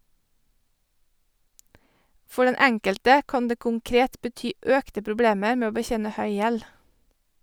For den enkelte kan det konkret bety økte problemer med å betjene høy gjeld.